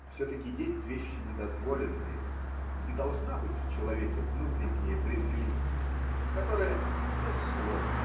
все-таки есть вещи недозволенные, и должна быть в человеке внутренняя брезгливость, которая без слов.